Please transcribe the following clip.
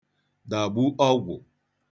dàgbu ọgwụ̀